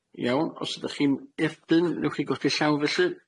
Iawn. Os ydach chi'n derbyn, newch chi godi llaw felly.